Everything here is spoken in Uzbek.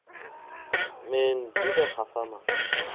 men juda xafaman